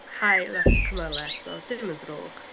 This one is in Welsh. Haul a cymylau, so dim yn ddrwg.